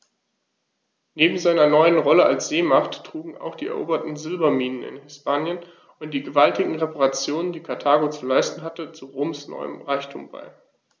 Neben seiner neuen Rolle als Seemacht trugen auch die eroberten Silberminen in Hispanien und die gewaltigen Reparationen, die Karthago zu leisten hatte, zu Roms neuem Reichtum bei.